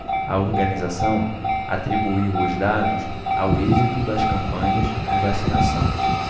a organização atribuiu os dados ao êxito das campanhas de vacinação